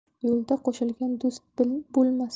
yo'lda qo'shilgan do'st bo'lmas